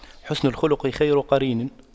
حُسْنُ الخلق خير قرين